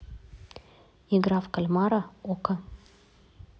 игра в кальмара окко